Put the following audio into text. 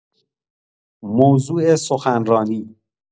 موضوع سخنرانی